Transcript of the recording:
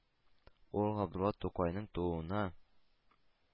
Ул Габдулла Тукайның тууына